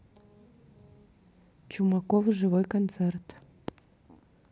чумаков живой концерт